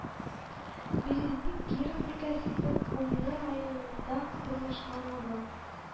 Березник Киров өлкәсенең Кумны районында урнашкан авыл